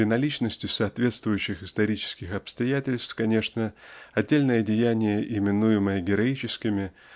при наличности соответствующих исторических обстоятельств конечно отдельные деяния именуемые героическими